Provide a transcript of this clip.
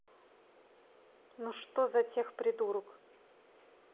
ну что за тех придурок